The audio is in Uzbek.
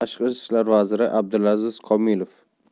tashqi ishlar vaziri abdulaziz komilov